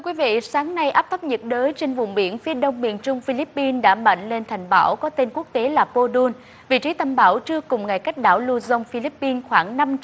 quý vị sáng nay áp thấp nhiệt đới trên vùng biển phía đông miền trung phi líp pin đã mạnh lên thành bão có tên quốc tế là pô đun vị trí tâm bão trưa cùng ngày cách đảo lu ron phi líp pin khoảng năm